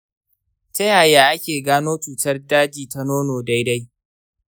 ta yaya ake gano cutar daji ta nono daidai?